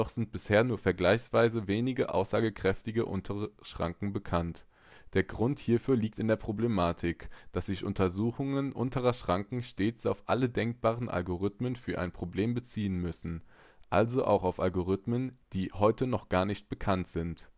sind bisher nur vergleichsweise wenige aussagekräftige untere Schranken bekannt. Der Grund hierfür liegt in der Problematik, dass sich Untersuchungen unterer Schranken stets auf alle denkbaren Algorithmen für ein Problem beziehen müssen; also auch auf Algorithmen, die heute noch gar nicht bekannt sind